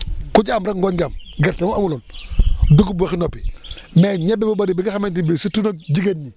ku ci am rek ngooñ nga am gerte moom amuloon dugub waxi noppi mais ñebe bu bëri bi nga xamante ne bii surtout nag jigéen ñi